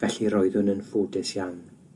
Felly roeddwn yn ffodus iawn.